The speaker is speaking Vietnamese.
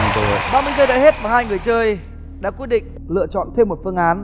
ba mươi giây đã hết và hai người chơi đã quyết định lựa chọn thêm một phương án